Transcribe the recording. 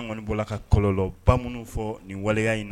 Kɔni b' ka kɔlɔlɔ bamananw fɔ nin waleya in na